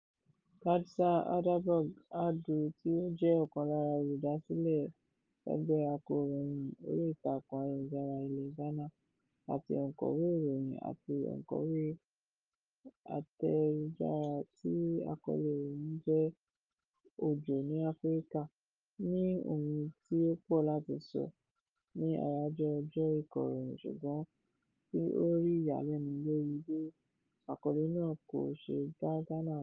Kajsa Hallberg Adu, tí ó jẹ́ ọ̀kan lára olùdásílẹ̀ ẹgbẹ́ akọ̀ròyìn orí ìtàkùn ayélujára ilẹ̀ Ghana àti òǹkọ̀wé ìròyìn orí ìtàkùn ayélujára tí àkọlé rẹ̀ ń jẹ́ òjò ní Áfríkà, ní ohun tí ó pọ̀ láti sọ ní àyájọ́ ọjọ́ ìkọ̀ròyìn, ṣùgbọ́n tí ó rí ìyàlẹ́nu lórí "bí àkọlé náà kò ṣe bá Ghana mu"